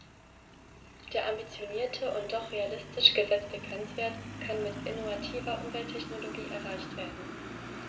Der ambitionierte und doch realistisch gesetzte Grenzwert kann mit innovativer Umwelttechnologie erreicht werden.